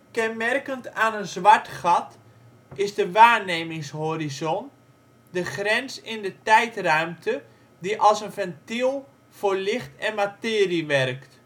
Kenmerkend aan een zwart gat is de waarnemingshorizon - de grens in de tijdruimte die als een ventiel voor licht en materie werkt